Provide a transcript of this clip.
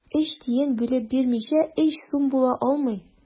Өч тиен бүлеп бирмичә, өч сум була алмый.